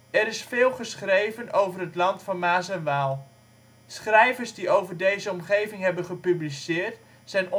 is veel geschreven over het Land van Maas en Waal. Schrijvers die over deze omgeving hebben gepubliceerd, zijn